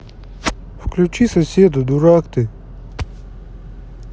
включи соседа дурак ты